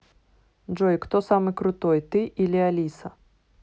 джой кто самый крутой ты или алиса